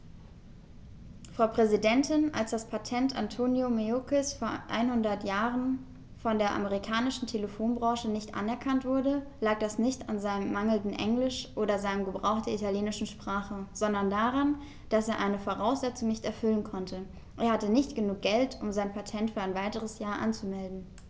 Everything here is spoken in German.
Frau Präsidentin, als das Patent Antonio Meuccis vor einhundert Jahren von der amerikanischen Telefonbranche nicht anerkannt wurde, lag das nicht an seinem mangelnden Englisch oder seinem Gebrauch der italienischen Sprache, sondern daran, dass er eine Voraussetzung nicht erfüllen konnte: Er hatte nicht genug Geld, um sein Patent für ein weiteres Jahr anzumelden.